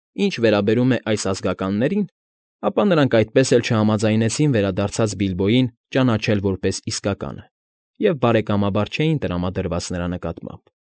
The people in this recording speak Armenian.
Ինչ վերաբերում է այս ազգականներին, ապա նրանք այդպես էլ չհամաձայնեցին վերադարձած Բիլբոյին ճանաչել որպես իսկականը և բարեկամաբար չէին տրամադրված նրա նկատմամբ։